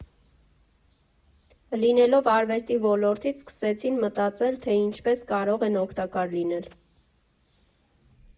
Լինելով արվեստի ոլորտից՝ սկսեցին մտածել, թե ինչպես կարող են օգտակար լինել։